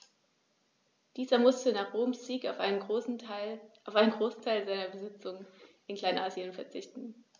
Dieser musste nach Roms Sieg auf einen Großteil seiner Besitzungen in Kleinasien verzichten.